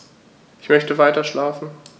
Ich möchte weiterschlafen.